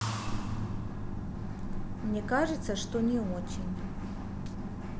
мне кажется что не очень